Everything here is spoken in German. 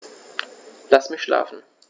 Lass mich schlafen